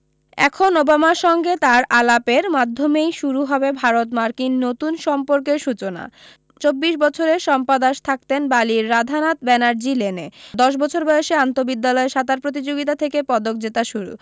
এখন ওবামার সঙ্গে তাঁর আলাপের মাধ্যমেই শুরু হবে ভারত মার্কিন নতুন সম্পর্কের সূচনা চব্বিশ বছরের শম্পা দাস থাকতেন বালির রাধানাথ ব্যানার্জি লেনে দশ বছর বয়সে আন্ত বিদ্যালয় সাঁতার প্রতিযোগীতা থেকে পদক জেতা শুরু